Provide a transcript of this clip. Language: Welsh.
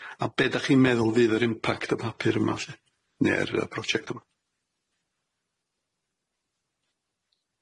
A be' 'dach chi'n meddwl fydd yr impact y papur yma 'lly, ne'r y prosiect yma?